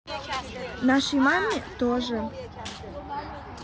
нашей маме тоже